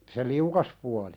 se liukas puoli